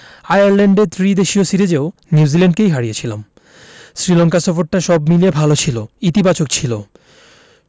আয়ারল্যান্ডে ত্রিদেশীয় সিরিজেও নিউজিল্যান্ডকে হারিয়েছিলাম শ্রীলঙ্কা সফরটা সব মিলিয়ে ভালো ছিল ইতিবাচক ছিল